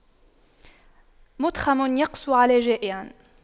مُتْخَمٌ يقسو على جائع